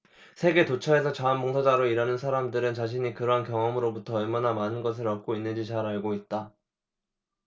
세계 도처에서 자원 봉사자로 일하는 사람들은 자신이 그러한 경험으로부터 얼마나 많은 것을 얻고 있는지 잘 알고 있다